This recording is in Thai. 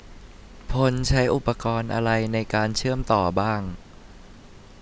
พลใช้อุปกรณ์อะไรในการเชื่อมต่อบ้าง